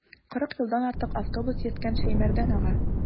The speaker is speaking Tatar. Кырык елдан артык автобус йөрткән Шәймәрдан ага.